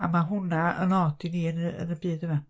A ma hwnna yn od i ni yn y, yn y byd yma.